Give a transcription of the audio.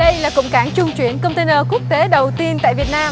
đây là cụm cảng trung chuyển công ten nơ quốc tế đầu tiên tại việt nam